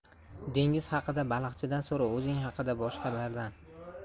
dengiz haqida baliqchidan so'ra o'zing haqida boshqalardan